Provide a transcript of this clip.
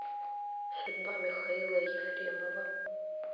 судьба михаила ефремова